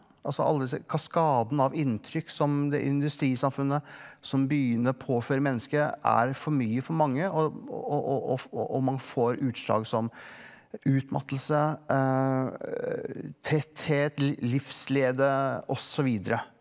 altså alle disse kaskaden av inntrykk som det industrisamfunnet som begynner å påføre mennesket er for mye for mange og og og og og og man får utslag som utmattelse tretthet livslede og så videre.